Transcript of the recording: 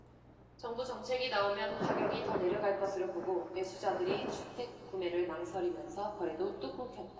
정부 정책이 나오면 가격이 더 내려갈 것으로 보고 매수자들이 주택 구매를 망설이면서 거래도 뚝 끊겼다